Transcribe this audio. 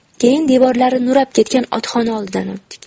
keyin devorlari nurab ketgan otxona oldidan o'tdik